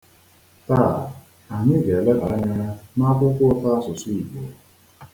Taa, anyị ga-eleba anya n'akwụkwọ ụtọasụsụ Igbo.